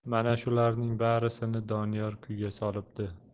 mana shularning barisini doniyor kuyga solibdi